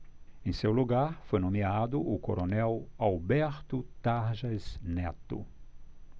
em seu lugar foi nomeado o coronel alberto tarjas neto